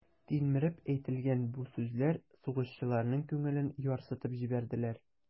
Тилмереп әйтелгән бу сүзләр сугышчыларның күңелен ярсытып җибәрделәр.